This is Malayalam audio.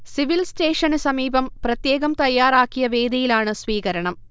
സിവിൽ സ്‌റ്റേഷന് സമീപം പ്രത്യേകം തയ്യാറാക്കിയ വേദിയിലാണ് സ്വീകരണം